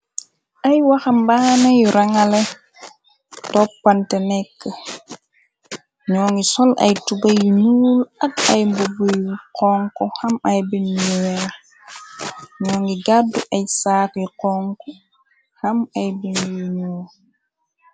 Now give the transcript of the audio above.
Ay waxambaana yu rangala toppante nekk ñoo ngi sol ay tuga yi nuul ak ay mbubuyu xonk xam ay bin yi weer ñoo ngi gàddu ay saak yu xonk xam ay bin yu ñuu.